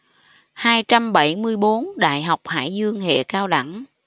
hai trăm bảy mươi bốn đại học hải dương hệ cao đẳng